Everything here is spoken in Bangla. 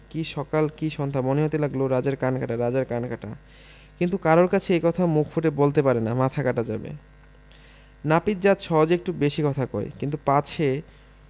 কী সকাল কী সন্ধ্যা মনে হতে লাগল রাজার কান কাটা রাজার কান কাটা কিন্তু কারুর কাছে এ কথা মুখ ফুটে বলতে পারে না মাথা কাটা যাবে নাপিত জাত সহজে একটু বেশী কথা কয় কিন্তু পাছে